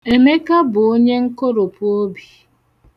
Emeka bụ onye nkoropuobi.